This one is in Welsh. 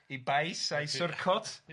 'i bais a'i surcot... Ia...